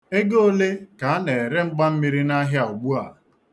Ego ole ka a na-ere mgbammiri n'ahịa ugbua?